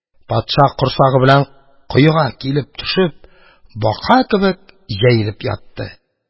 Патша, корсагы белән коега килеп төшеп, бака кебек җәелеп ятты.